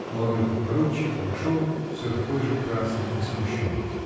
Молодой подпоручик вошел, все такой же красный и смущенный.